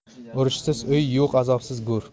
urishsiz uy yo'q azobsiz go'r